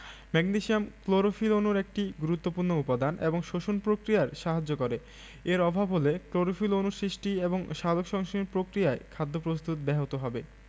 magnesium chlorophyll অণুর একটি গুরুত্বপুর্ণ উপাদান এবং শ্বসন প্রক্রিয়ায় সাহায্য করে এর অভাব হলে ক্লোরোফিল অণু সৃষ্টি এবং সালোকসংশ্লেষণ প্রক্রিয়ায় খাদ্য প্রস্তুত ব্যাহত হবে